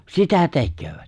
sitä tekevät